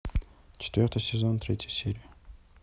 четвертый сезон третья серия